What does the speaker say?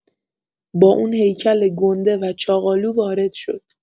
با اون هیکل گنده و چاقالو وارد شد.